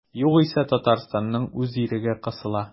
Югыйсә Татарстанның үз иреге кысыла.